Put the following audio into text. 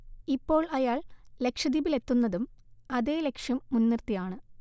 ഇപ്പോൾ അയാൾ ലക്ഷദ്വീപിൽ എത്തുന്നതും അതേ ലക്ഷ്യം മുൻനിർത്തിയാണ്